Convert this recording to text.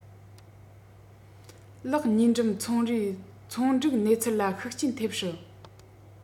ལག ཉིས འགྲིམ ཚོང རའི ཚོང འགྲིག གནས ཚུལ ལ ཤུགས རྐྱེན ཐེབས སྲིད